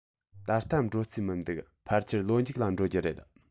ད ལྟ འགྲོ རྩིས མི འདུག ཕལ ཆེར ལོ མཇུག ལ འགྲོ རྒྱུ རེད